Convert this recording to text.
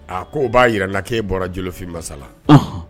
A ko b'a jirala'e bɔrajlofin masasala